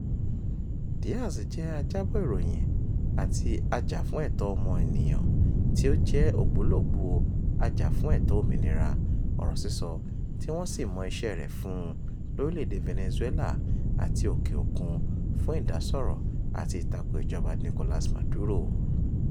Díaz jẹ́ ajábọ̀ ìròyìn àti a-jà-fún-ẹ̀tọ́-ọmọ ènìyàn tí ó jẹ́ ògbólógbòó ajàfúnẹ̀tọ́ òmìnira ọ̀rọ̀ sísọ tí wọ́n sì mọ ìṣe rẹ̀ fún un l'órílẹ̀ èdè Venezuela àti òkè òkun fún ìdásọ́rọ̀ àti ìtakò ìjọba Nicholas Maduro.